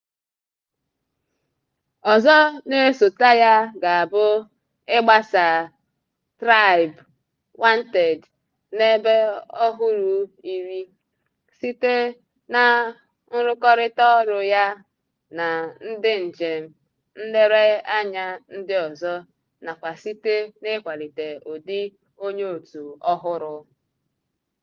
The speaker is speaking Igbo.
Ọzọ na-esote ya ga-abụ ịgbasa TribeWanted n'ebe ọhụrụ iri, site na nrụkọrịta ọrụ ya na ndị njem nlereanya ndị ọzọ nakwa site n'ịkwalite ụdị onyeòtù ọhụrụ.